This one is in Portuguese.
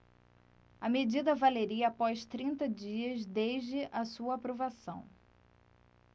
a medida valeria após trinta dias desde a sua aprovação